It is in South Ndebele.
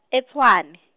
e- Tshwane.